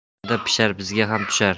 qo'shnida pishar bizga ham tushar